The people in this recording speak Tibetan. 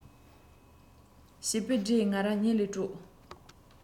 བྱེད པའི སྒྲས ང རང གཉིད ལས དཀྲོགས